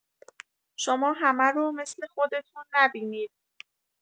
شما همه رو مثل خودتون نبینید